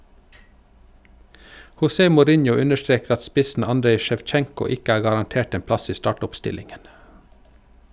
José Mourinho understreker at spissen Andrej Sjevtsjenko ikke er garantert en plass i startoppstillingen.